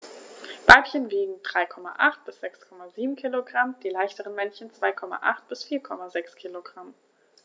Weibchen wiegen 3,8 bis 6,7 kg, die leichteren Männchen 2,8 bis 4,6 kg.